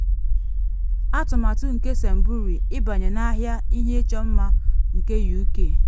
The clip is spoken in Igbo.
Atụmatụ nke Sainbury ịbanye n’ahịa ihe ịchọ mma nke UK